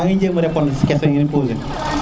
wa ñu jema répondre si quetion yi ñu pose